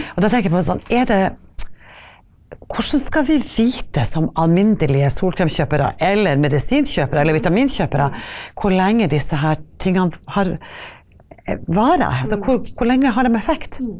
og da tenker jeg på sånn er det hvordan skal vi vite som alminnelige solkremkjøpere eller medisinkjøpere eller vitaminkjøpere hvor lenge disse her tingene har varer, altså hvor hvor lenge har dem effekt?